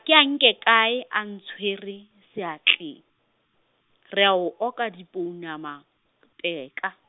ke a nke kae a ntshwere seatleng re o oka dipounama peka.